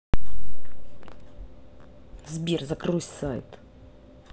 сбер закрой сайт